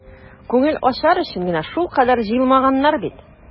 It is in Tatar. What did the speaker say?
Күңел ачар өчен генә шулкадәр җыелмаганнар бит.